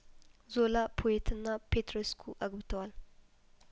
ዞላ ፖዬትና ፔትሬስኩ አግብተዋል